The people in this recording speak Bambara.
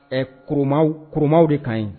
Ɛɛ kurumaw kurumaw de kaɲi